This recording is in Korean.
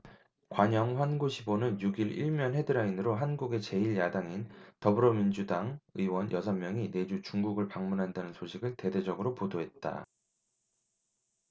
관영 환구시보는 육 일 일 면 헤드라인으로 한국의 제 일 야당인 더불어민주당 의원 여섯 명이 내주 중국을 방문한다는 소식을 대대적으로 보도했다